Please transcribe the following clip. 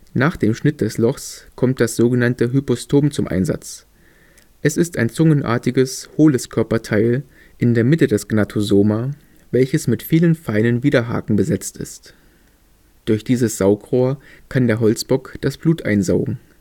Nach dem Schnitt des Lochs kommt das sogenannte Hypostom zum Einsatz. Es ist ein zungenartiges hohles Körperteil in der Mitte des Gnathosoma (Capitulum), welches mit vielen feinen Widerhaken besetzt ist. Durch dieses Saugrohr kann der Holzbock das Blut einsaugen